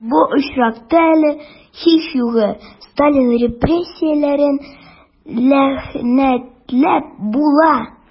Бу очракта әле, һич югы, Сталин репрессияләрен ләгънәтләп була...